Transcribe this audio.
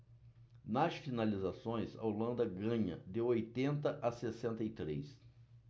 nas finalizações a holanda ganha de oitenta a sessenta e três